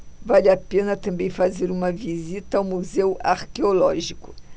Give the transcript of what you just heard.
vale a pena também fazer uma visita ao museu arqueológico